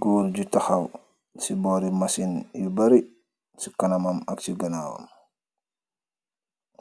Góor ju taxaw ci boori masin yu bari ci kanamam ak ci ginaawam.